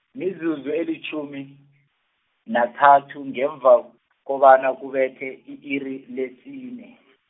mizuzu elitjhumi, nathathu ngemva, kobana kubethe i-iri lesine .